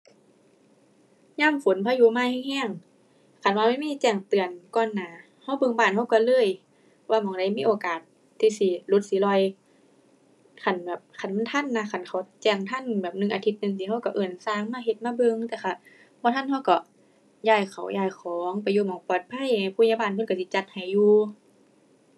ยามฝนพายุมาแรงแรง คันว่ามันมีแจ้งเตือนก่อนหน้า แรงเบิ่งบ้านแรงก่อนเลย ว่าหม้องใดมันมีโอกาสที่สิหลุดสิหล่อย คันแบบ คันมันทันนะ คันเขาแจ้งทันแบบหนึ่งอาทิตย์จั่งซี้ แรงแรงเอิ้นแรงมาเฮ็ดมาเบิ่ง แต่คะบ่ทันแรงแรงย้ายข้าวย้ายของ ไปอยู่หม้องปลอดภัย ให้ผู้ใหญ่บ้านเพิ่นแรงสิจัดให้อยู่